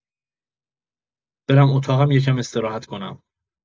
برم اتاقم یکم استراحت کنم.